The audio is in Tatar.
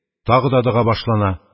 Тагы дога башлана.